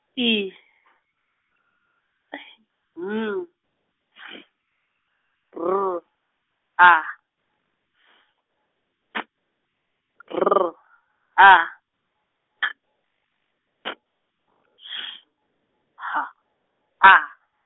I N F R A S T R A K T Š H A.